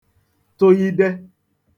tụghịde